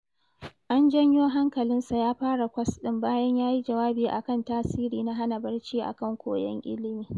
An janyo hankalinsa ya fara kwas ɗin bayan ya yi jawabi a kan tasiri na hana barci a kan koyon ilmi.